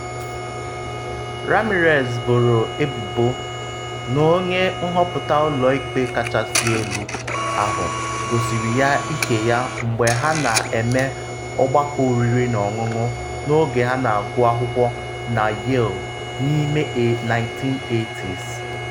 Ramirez boro ebubo n’onye nhọpụta Ụlọ Ikpe Kachasị Elu ahụ gosiri ya ike ya mgbe ha na-eme ọgbakọ oriri na ọṅụṅụ n’oge ha na-agụ akwụkwọ na Yale n’ime 1980s.